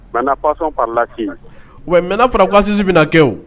Maintenant passons par l'assise ouai mais na fɔrɔ ko assise bɛna kɛ o